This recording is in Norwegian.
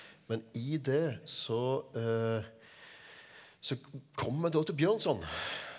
men i det så så kommer vi da til Bjørnson.